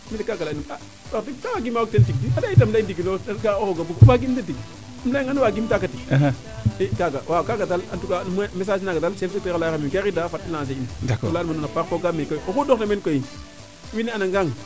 mi de kaga leya nun a wax deg kaa wagimo waag teen tig de ande yitam ley ndigil kaga roog a bugu waagim teen tig im leaya ngaan waagim taaga tig kaaga daal en tous cas message naaga dal ten leya xame yen gariidaa fat im lancer in leyan ma nuun a paax fogaame koy oxu ɗoxna meen koy wiin we anda ngaang